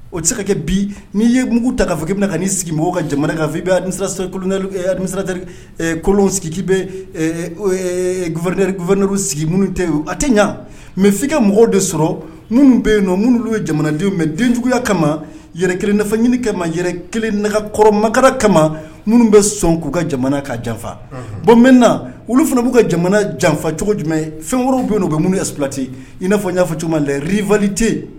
O tɛ se ka kɛ bi n'i ye mugu ta k'a fɔki bɛna na ka sigi mɔgɔw ka jamana ka fɔ i bɛmi kolon sigiki bɛ ww sigi minnu tɛ a tɛ ɲa mɛ fkɛ mɔgɔw de sɔrɔ minnu bɛ yen minnu oluolu ye jamanadenw mɛ denjuguya kama yɛrɛ kelen nafa ɲini ka yɛrɛ kelen nakɔrɔmakalara kama minnu bɛ sɔn k'u ka jamana ka janfa bon min olu fana b'u ka jamana janfa cogo jumɛn fɛnwo bɛ u bɛ minnuya suti i n'a fɔ'fa cogoya la vlite